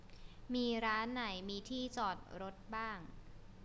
มีร้านไหนมีที่จอดรถบ้าง